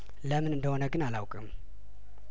ለምን እንደሆነ ግን አላውቅም